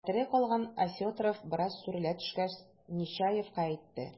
Хәтере калган Осетров, бераз сүрелә төшкәч, Нечаевка әйтте: